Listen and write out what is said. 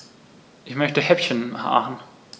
Ich möchte Häppchen machen.